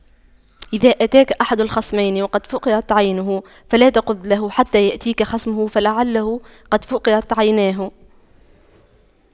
إذا أتاك أحد الخصمين وقد فُقِئَتْ عينه فلا تقض له حتى يأتيك خصمه فلعله قد فُقِئَتْ عيناه